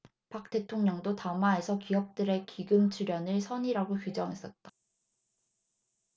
박 대통령도 담화에서 기업들의 기금 출연을 선의라고 규정했었다